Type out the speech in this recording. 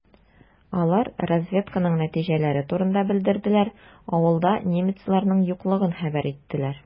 Алар разведканың нәтиҗәләре турында белдерделәр, авылда немецларның юклыгын хәбәр иттеләр.